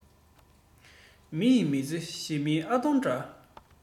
མི ཡིས མི ཚེ ཞི མིའི ཨ སྟོང འདྲ